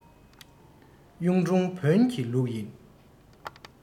གཡུང དྲུང བོན གྱི ལུགས ཡིན